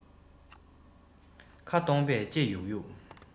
ཁ སྟོང པས ལྕེ ཡུག ཡུག